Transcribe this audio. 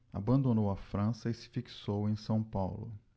abandonou a frança e se fixou em são paulo